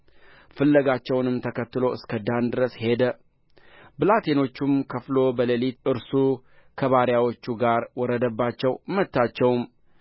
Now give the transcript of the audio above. ፍለጋቸውንም ተከትሎ እስከ ዳን ድረስ ሄደ ብላቴኖቹንም ከፍሎ በሌሊት እርሱ ከባሪያዎቹ ጋር ወረደባቸው መታቸውም